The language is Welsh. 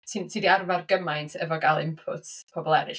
Ti'n... ti 'di arfer gymaint efo gael input pobl eraill.